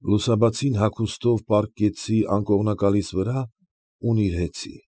Լուսաբացին հագուստով պառկեցի անկողնակալիս վրա ու նիրհեցի։